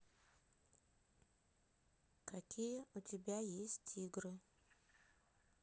какие у тебя есть тигры